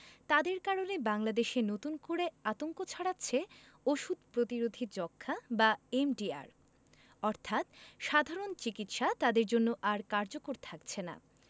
তাদের কারণে বাংলাদেশে নতুন করে আতঙ্ক ছড়াচ্ছে ওষুধ প্রতিরোধী যক্ষ্মা বা এমডিআর অর্থাৎ সাধারণ চিকিৎসা তাদের জন্য আর কার্যকর থাকছেনা